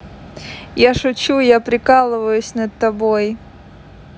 я шучу я прикалываюсь над тобой